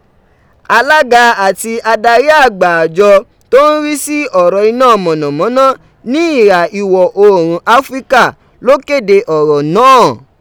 Alaga ati adari agba ajọ to n ri si ọrọ ina mọnamọna ni iha iwọ oorun Afrika lo kede ọ̀rọ̀ náà.